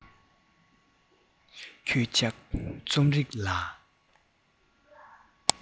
ཁྱོད ཅག རྩོམ རིག ལ